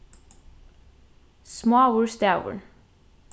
smáur stavur